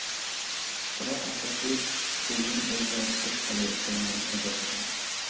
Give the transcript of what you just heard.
biroq asadbek fe'lining o'zgarishsiz qolayotganidan ajablandi